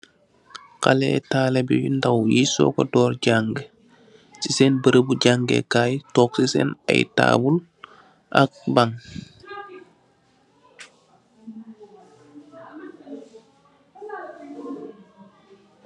Haleh talibeh yu daww yuy suga durr janga se sen berebu jangekay tooke se sen aye table ak bank.